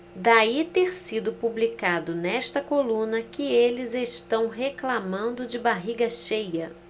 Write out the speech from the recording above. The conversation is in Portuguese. daí ter sido publicado nesta coluna que eles reclamando de barriga cheia